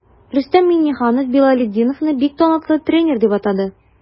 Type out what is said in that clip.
Рөстәм Миңнеханов Билалетдиновны бик талантлы тренер дип атады.